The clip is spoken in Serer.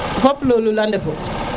fop luu lul a ndefu